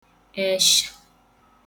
èshà